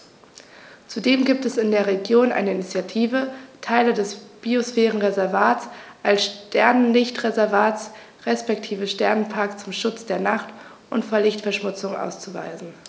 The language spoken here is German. Zudem gibt es in der Region eine Initiative, Teile des Biosphärenreservats als Sternenlicht-Reservat respektive Sternenpark zum Schutz der Nacht und vor Lichtverschmutzung auszuweisen.